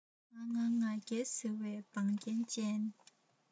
ང ང ང རྒྱལ ཟེར བའི བང རྒྱལ ཅན